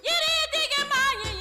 Jelitigi ba joli